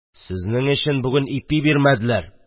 – сезнең өчен бүген ипи бирмәделәр.